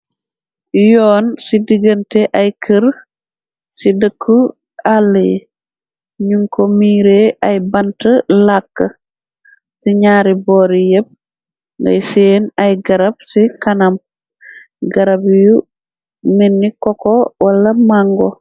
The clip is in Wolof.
Yoon ci digante ay kër ci dëkku àlle yi, ñuñ ko miiree ay bant làkk ci ñaari boori yépp, ngay seen ay garab ci kanam, garab yu meni koko wala màngo.